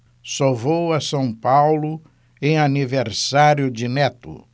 só vou a são paulo em aniversário de neto